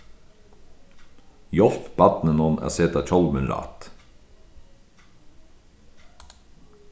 hjálp barninum at seta hjálmin rætt